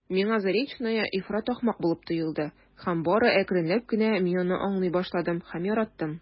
Миңа Заречная ифрат ахмак булып тоелды һәм бары әкренләп кенә мин аны аңлый башладым һәм яраттым.